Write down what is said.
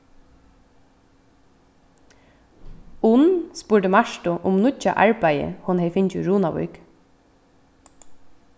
unn spurdi martu um nýggja arbeiði hon hevði fingið í runavík